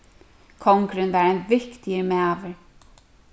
kongurin var ein viktigur maður